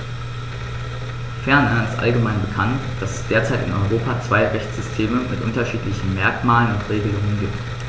Ferner ist allgemein bekannt, dass es derzeit in Europa zwei Rechtssysteme mit unterschiedlichen Merkmalen und Regelungen gibt.